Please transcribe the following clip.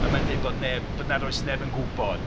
A mae'n dweud bod neb... Nad oes neb yn gwybod